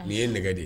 Nin ye nɛgɛ de ye